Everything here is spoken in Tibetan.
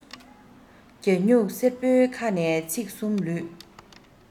རྒྱ སྨྱུག གསེར པོའི ཁ ནས ཚིག གསུམ ལུས